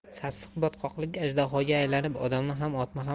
sassiq botqoqlik ajdahoga aylanib odamni ham